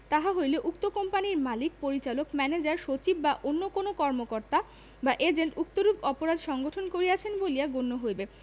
তাহা হইলে উক্ত কোম্পানীর মালিক পরিচালক ম্যানেজার সচিব বা অন্য কোন কর্মকর্তা বা এজেন্ট উক্তরূপ অপরাধ সংঘটন করিয়াছেন বলিয়া গণ্য হইবে